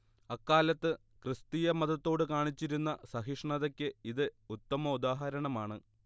അക്കാലത്ത് ക്രിസ്തീയ മതത്തിനോടു കാണിച്ചിരുന്ന സഹിഷ്ണൂതക്ക് ഇത് ഉത്തമോദാഹരണമാണ്